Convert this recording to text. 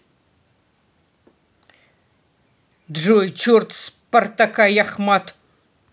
джой черт спартака яхмат